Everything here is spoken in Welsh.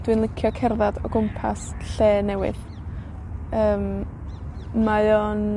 Dwi'n licio cerddad o gwmpas lle newydd. Yym, mae o'n